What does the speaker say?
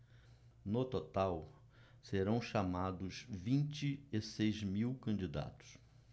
no total serão chamados vinte e seis mil candidatos